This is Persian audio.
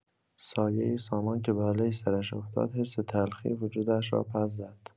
سایۀ سامان که بالای سرش افتاد، حس تلخی وجودش را پس زد.